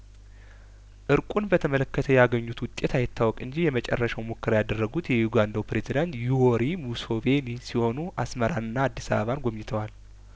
እርቁን በተመለከተ ያገኙት ውጤት አይታወቅ እንጂ የመጨረሻው ሙከራ ያደረጉት የዩጋንዳው ፕሬዝዳንት ዩዎሪ ሙሶቬኒ ሲሆኑ አስመራንና አዲስ አበባን ጐብኝተዋል